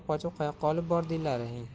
qochib qayoqqa olib bordilaring